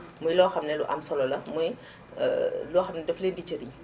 muy loo xam ni lu am solo la muy loo xam ni dafa leen di jariñ